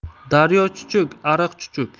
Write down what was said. daryo chuchuk ariq chuchuk